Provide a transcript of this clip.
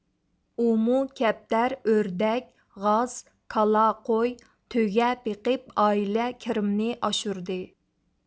ئۇمۇ كەپتەر ئۆردەك غاز كالا قوي تۆگە بېقىپ ئائىلە كىرىمىنى ئاشۇردى